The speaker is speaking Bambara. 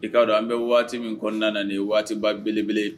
I k'a dɔn an bɛ waati min kɔnɔna na nin waatiba belebele